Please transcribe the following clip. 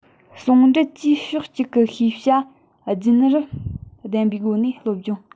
ཟུང འབྲེལ གྱིས ཕྱོགས གཅིག གི ཤེས བྱ རྒྱུད རིམ ལྡན པའི སྒོ ནས སློབ སྦྱོང